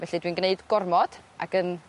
Felly dwi'n gneud gormod ag yn